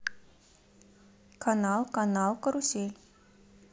канал канал карусель